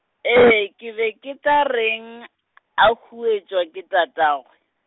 ee ke be ke tla reng, a hwetša ke tatagwe.